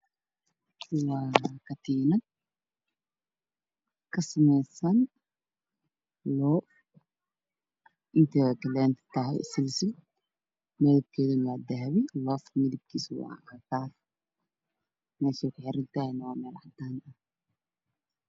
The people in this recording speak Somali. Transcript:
Waa ka tiiinad midabkeedu yahay dahabi meel ay suran tahay midabkeedu yahay meesha waa caddaan